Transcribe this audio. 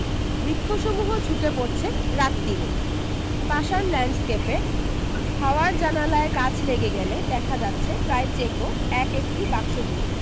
বৃক্ষসমূহ ঝুঁকে পড়ছে রাত্তিরে পাষাণ ল্যান্ডস্কেপে হাওয়ার জানলায় কাঁচ লেগে গেলে দেখা যাচ্ছে প্রায় চেকো এক একটি বাক্স জুড়ে